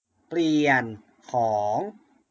เปลี่ยนของ